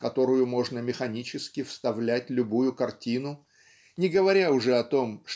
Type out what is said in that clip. в которую можно механически вставлять любую картину не говоря уже о том